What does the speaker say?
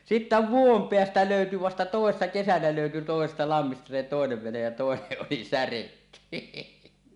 sitten vuoden päästä löytyi vasta toissa kesänä löytyi toisesta lammista se toinen vene ja toinen oli särjetty